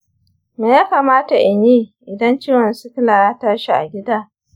me ya kamata in yi idan ciwon sikila ya tashi a gida?